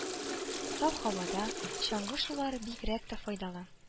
Саф һавада чаңгы шуулары бигрәк тә файдалы.